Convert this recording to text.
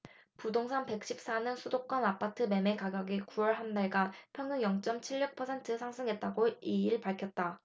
부동산 백 십 사 는 수도권 아파트 매매가격이 구 월 한달간 평균 영 쩜 칠 육 퍼센트 상승했다고 이 일 밝혔다